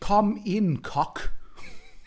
Come in cock .